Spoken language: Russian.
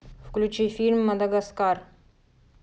включи фильм мадагаскар